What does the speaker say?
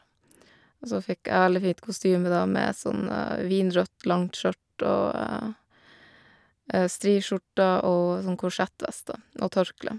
Og så fikk jeg veldig fint kostyme, da, med sånn vinrødt langt skjørt og striskjorte og sånn korsettvest, da, og tørkle.